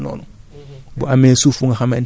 ñebe moom ay exigeance am bariwul noonu